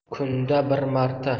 kunda bir marta